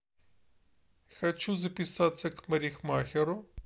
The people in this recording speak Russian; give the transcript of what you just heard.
хочу записаться к парикмахеру